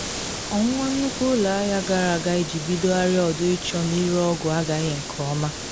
Ọnwụnwa nnukwu ụlọ ahịa gara aga iji bidogharịa ọdụ ịchọ na ịre ọgwụ agaghị nke ọma.